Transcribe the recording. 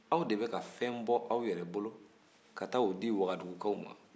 aw de bɛ ka fɛn bɔ aw yɛrɛ bolo ka taa o di wagadugukaw ma